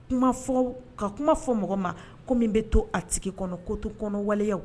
Kuma fɔ ka kuma fɔ mɔgɔ ma ko min bɛ to a sigi kɔnɔ ko to kɔnɔwaleya